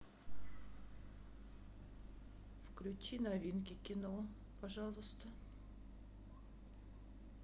включи новинки кино пожалуйста